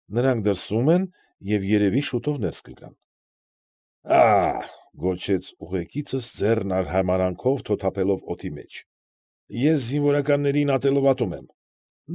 Նրանք դրսումն են, և, երևի շուտով ներս կգան։ ֊ Ա՛հ,֊ գոչեց ուղեկիցս ձեռն արհամարանքով թոթափելով օդի մեջ,֊ ես զինվորականներին ատելով ատում եմ։